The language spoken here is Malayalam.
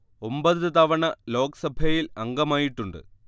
ഒമ്പത് തവണ ലോക് സഭയിൽ അംഗമായിട്ടുണ്ട്